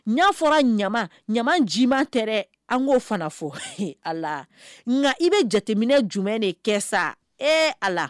Y'a fɔra ɲama ji ma tɛ an k'o fana fɔ a la nka i bɛ jateminɛ jumɛn de kɛ sa e a la